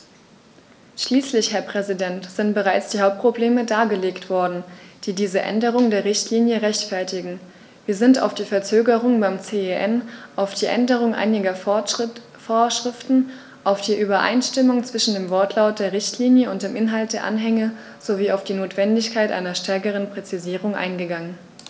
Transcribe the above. Schließlich, Herr Präsident, sind bereits die Hauptprobleme dargelegt worden, die diese Änderung der Richtlinie rechtfertigen, wir sind auf die Verzögerung beim CEN, auf die Änderung einiger Vorschriften, auf die Übereinstimmung zwischen dem Wortlaut der Richtlinie und dem Inhalt der Anhänge sowie auf die Notwendigkeit einer stärkeren Präzisierung eingegangen.